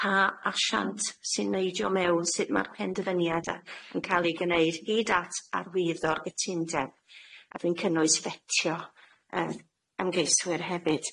Pa asiant sy'n neidio mewn, sut ma'r penderfyniad yy yn ca'l ei gneud hyd at arwyddor gytundeb a dwi'n cynnwys fetio yy ymgeiswyr hefyd.